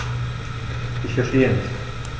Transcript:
Ich verstehe nicht.